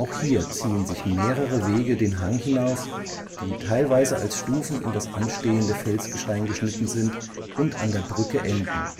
hier ziehen sich mehrere Wege den Hang hinauf, die teilweise als Stufen in das anstehende Felsgestein geschnitten sind und an der Brücke enden